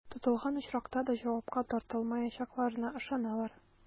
Тотылган очракта да җавапка тартылмаячакларына ышаналар.